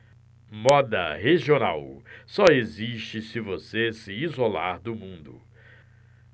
moda regional só existe se você se isolar do mundo